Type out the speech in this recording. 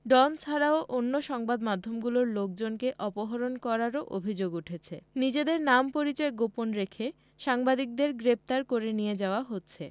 ডন ছাড়াও অন্য সংবাদ মাধ্যমগুলোর লোকজনকে অপহরণ করারও অভিযোগ উঠেছে নিজেদের নাম পরিচয় গোপন রেখে সাংবাদিকদের গ্রেপ্তার করে নিয়ে যাওয়া হচ্ছে